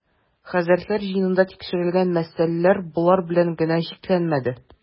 Хәзрәтләр җыенында тикшерел-гән мәсьәләләр болар белән генә чикләнмәде.